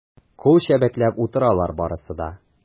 Кул чәбәкләп утыралар барысы да.